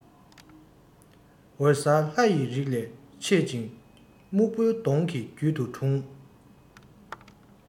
འོད གསལ ལྷ ཡི རིགས ལས མཆེད ཅིང སྨུག པོ གདོང གི རྒྱུད དུ འཁྲུངས